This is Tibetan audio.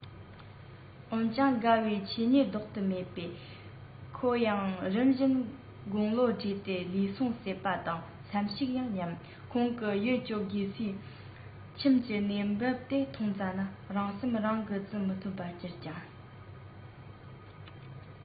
འོན རྐྱང རྒ བའི ཆོས ཉིད ལྡོག ཏུ མེད པས ཁོང ཡང རིམ བཞིན དགུང ལོ བགྲེས ཏེ ལུས ཟུངས ཟད པ དང སེམས ཤུགས ཀྱང ཉམས ཁོང གི ཡིད སྐྱོ དགོས པའི ཁྱིམ གྱི གནས བབས དེ མཐོང ཙ ན རང སེམས རང གི གཅུན མི ཐུབ པར གྱུར ཅིང